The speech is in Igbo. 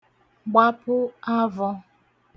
gbapụ avọ̄